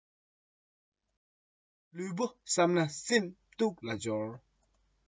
ལུས པོ བསམས ན སེམས སྡུག ལ སྦྱོར